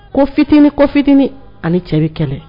Ko fitinin ko fitininini ani cɛ kɛlɛ